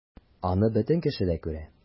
Аны бөтен кеше дә күрә...